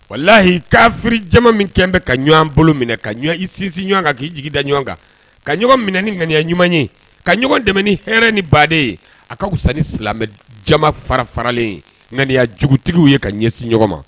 Walahi kafiri jama min kɛ n bɛ ka ɲɔgɔn bolo minɛ ka i sinsin ɲɔgɔn kan k'i jigi da ɲɔgɔn kan ka ɲɔgɔn minɛ ni ŋaniya ɲuman ye ka ɲɔgɔn dɛmɛ ni hɛrɛ ni baden ye a ka fisa ni silamɛ jama farafaralen ye, ŋaniyajugutigiw ye ka ɲɛsin ɲɔgɔn ma